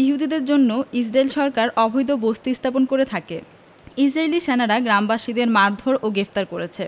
ইহুদিদের জন্য ইসরাইল সরকার অবৈধ বসতি স্থাপন করে থাকে ইসরাইলী সেনারা গ্রামবাসীদের মারধোর ও গ্রেফতার করেছে